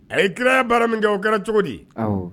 A ye kiraya baara min kɛ o kɛra cogo di